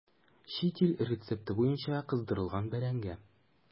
Чит ил рецепты буенча кыздырылган бәрәңге.